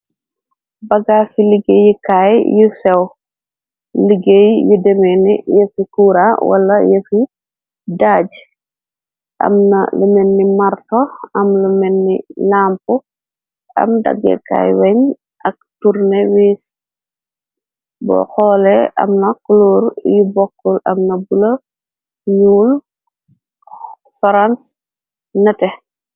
Bagaas ci liggéeyi kaay yu sew liggéey yu deme ne yëfi kura wala yëfi daaj amna lumenni marto am lu menni lamp am dagge kaay weñ ak turnewiis bu xoole am na kluor yu bokkul amna bula ñuul soranse, neteh.